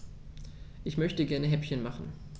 Ich möchte gerne Häppchen machen.